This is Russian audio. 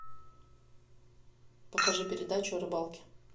покажи передачу о рыбалке